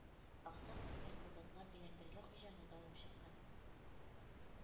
Аксак Тимер солдатлар белән бергә Хуҗаны да алып чыккан.